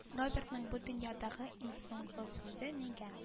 Робертның бу дөньядагы иң соңгы сүзе нигә